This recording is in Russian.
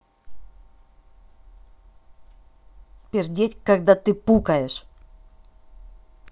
пердеть когда ты пукаешь